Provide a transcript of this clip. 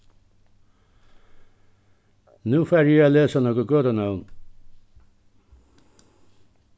nú fari eg at lesa nøkur gøtunøvn